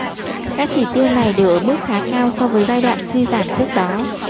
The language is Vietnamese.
các chỉ tiêu này đều ở mức khá cao so với giai đoạn suy giảm trước đó